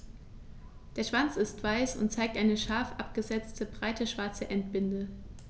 Der Schwanz ist weiß und zeigt eine scharf abgesetzte, breite schwarze Endbinde.